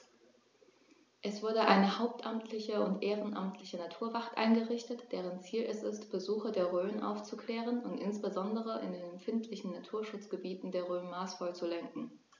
Es wurde eine hauptamtliche und ehrenamtliche Naturwacht eingerichtet, deren Ziel es ist, Besucher der Rhön aufzuklären und insbesondere in den empfindlichen Naturschutzgebieten der Rhön maßvoll zu lenken.